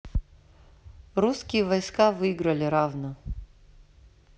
русские войска выиграли равно